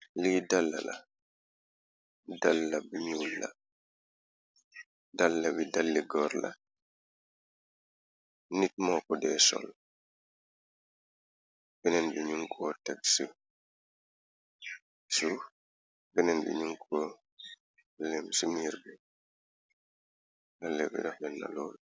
lii dalla bi ñul ladàlla bi dali goor la, nit moo ko dee sol beneen bi ñu ngoo teg sur beneen bi ñu ngoo blm ci mir be lalabrfena lool.